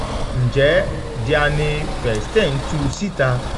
Ǹjẹ́ Dianne Feinstein tu síta?